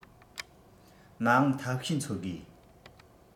མ འོང ཐབས ཤེས འཚོལ དགོས